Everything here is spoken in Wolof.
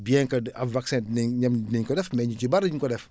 bien que am vaccin dinañ énoom dinañ ko def mais ñu ci bari duñ ko def